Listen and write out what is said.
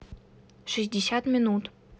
шестьдесят минут